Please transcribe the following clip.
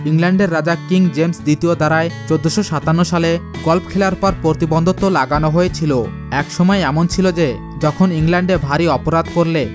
ইংল্যান্ডের রাজা king James দ্বিতীয় দাঁড়ায় চোদ্দোশো সাতান্ন সালে গলফ খেলার উপর প্রতিবন্ধকতা লাগানো হয়েছিল একসময় এমন ছিল যে ইংল্যান্ডে ভারী অপরাধ করলে